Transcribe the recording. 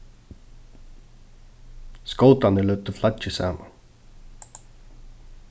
skótarnir løgdu flaggið saman